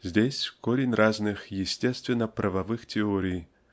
Здесь -- Корень разных естественноправовых теорий